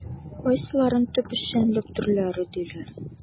Кайсыларын төп эшчәнлек төрләре диләр?